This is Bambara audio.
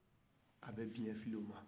a bɛ biɲɛ fili o ma